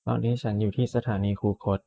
ตอนนี้ฉันอยู่ที่สถานีคูคต